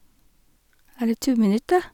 Er det to minutter?